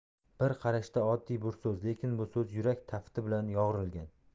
bir qarashda oddiy bir so'z lekin bu so'z yurak tafti bilan yo'g'rilgan